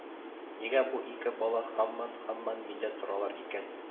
Нигә бу ике бала һаман-һаман миндә торалар икән, бичаралар